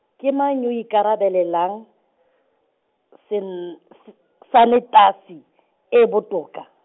ke mang yo a ikarabelelang , sen-, s-, sanetasi, e e botoka.